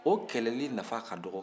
o kɛlɛli nafa ka dɔgɔn